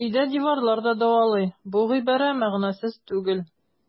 Өйдә диварлар да дәвалый - бу гыйбарә мәгънәсез түгел.